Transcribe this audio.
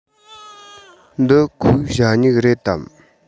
འདི ཁོའི ཞ སྨྱུག རེད དམ